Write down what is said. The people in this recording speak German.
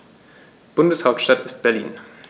Bundeshauptstadt ist Berlin.